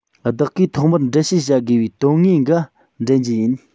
བདག གིས ཐོག མར འགྲེལ བཤད བྱ དགོས པའི དངོས དོན འགའ འདྲེན རྒྱུ ཡིན